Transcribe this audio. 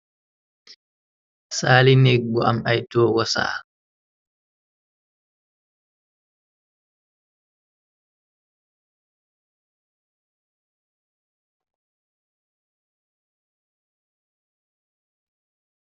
Saali négg bu am aytogu saal.